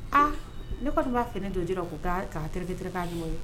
Aa ne kɔni b'a f donji la k' taa k'a terikɛke k'a di ye